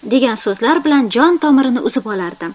degan so'zlar bilan jon tomirini uzib olardim